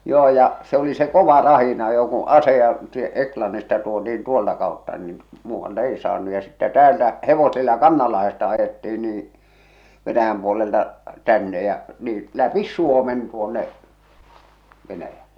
joo ja se oli se kova rahdinajo kun aseita - Englannista tuotiin tuolta kautta niin muualta ei saanut ja sitten täältä hevosilla Kannanlahdesta ajettiin niin Venäjän puolelta tänne ja niin läpi Suomen tuonne Venäjälle